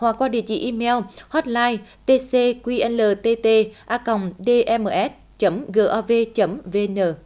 hoặc qua địa chỉ y meo hót lai tê xê quy e lờ tê tê a còng đê e mờ ét chấm gờ o vê chấm vê en nờ